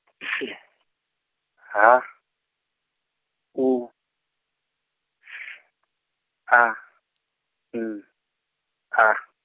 F H U F A N A.